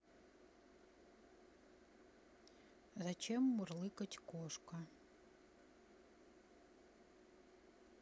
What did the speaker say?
зачем мурлыкать кошка